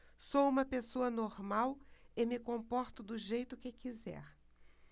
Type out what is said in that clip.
sou homossexual e me comporto do jeito que quiser